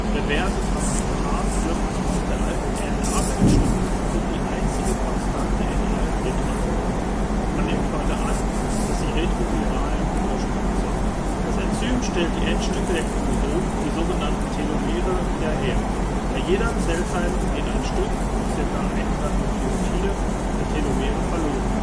Reverse Transkriptasen dürften noch aus der alten RNA-Welt stammen und sind die einzige Konstante in allen Retroelementen. Man nimmt heute an, dass sie retroviralen Ursprungs sind. Das Enzym stellt die Endstücke der Chromosomen, die so genannten Telomere, wieder her. Bei jeder Zellteilung geht ein Stück (ca. 100 Nukleotide) der Telomere verloren